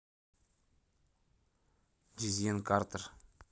дезьен картер